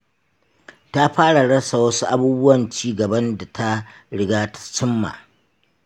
ta fara rasa wasu abubuwan ci gaban da ta riga ta cimma.